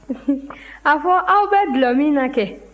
a fɔ aw bɛ dɔlɔmin na kɛ